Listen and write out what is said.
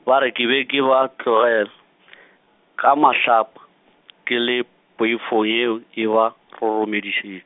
ba re ke be ke ba tlogel- , ka mahlapa , ke le poifo yeo e ba, roromediše-.